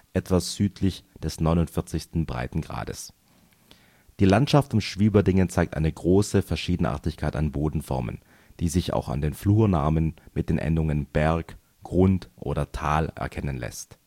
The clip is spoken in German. etwas südlich des 49. Breitengrades. Die Landschaft um Schwieberdingen zeigt eine große Verschiedenartigkeit an Bodenformen, die sich auch an den Flurnamen mit den Endungen Berg, Grund oder Tal erkennen lässt